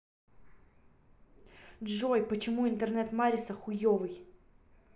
джой почему интернет марисса хуевый